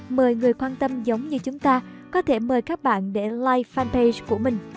mời người quan tâm giống như chúng ta có thể mời các bạn để like fan page của mình